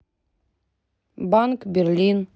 банк берлин